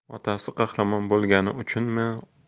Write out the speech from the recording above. otasi qahramon bo'lgani uchunmi